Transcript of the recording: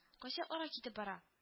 Кайсы якларга китеп бара